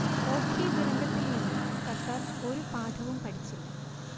ഓഖി ദുരന്തത്തിൽ നിന്ന് സർക്കാർ ഒരു പാഠവും പഠിച്ചില്ല